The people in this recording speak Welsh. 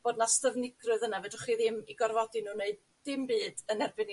bod 'na styfnigrwydd yna fedrwch chi ddim 'u gorfodi nw neud dim byd yn erbyn